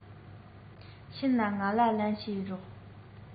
ཕྱིན ན ང ལ ལན བྱེད རོགས